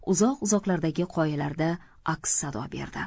uzoquzoqlardagi qoyalarda aks sado berdi